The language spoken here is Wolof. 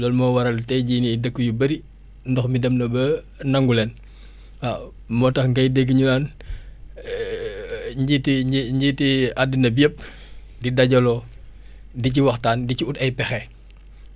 loolu moo waral tey jii nii dëkk yu bëri ndox mi dem na ba nangu leen waaw moo tax ngay dégg ñu naan njiiti njiiti addina bi yëpp di dajaloo di ci waxtaan di ci ut ay pexe